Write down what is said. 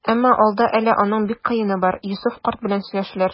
Әмма алда әле аның бик кыены бар - Йосыф карт белән сөйләшүләр.